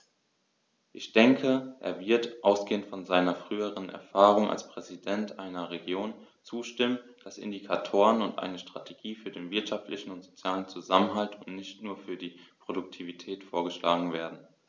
Ich denke, er wird, ausgehend von seiner früheren Erfahrung als Präsident einer Region, zustimmen, dass Indikatoren und eine Strategie für den wirtschaftlichen und sozialen Zusammenhalt und nicht nur für die Produktivität vorgeschlagen werden.